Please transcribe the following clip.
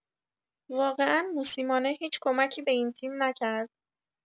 واقعا موسیمانه هیچ کمکی به این تیم نکرد.